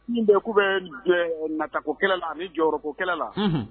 Min bɛ' bɛ natako kɛlɛ la ani jɔyɔrɔkokɛla la